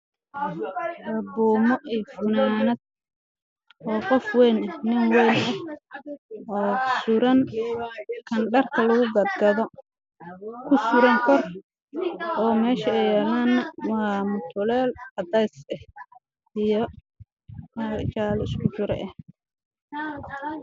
Waa dhar isku jooga funaanad iyo igumaheeda